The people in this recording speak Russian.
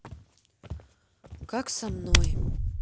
как со мной